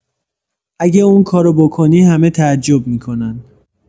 اگه اون کارو بکنی همه تعجب می‌کنن